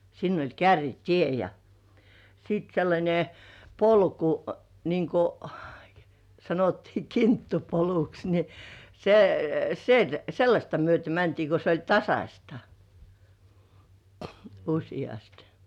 sinne oli kärrytie ja sitten sellainen polku niin kuin sanottiin kinttupoluksi niin -- sellaista myöten mentiin kun se oli tasaista useasti